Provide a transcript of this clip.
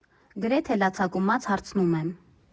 Գրեթե լացակումած հարցնում եմ.